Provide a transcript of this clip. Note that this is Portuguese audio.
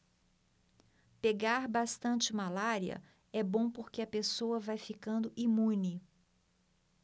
pegar bastante malária é bom porque a pessoa vai ficando imune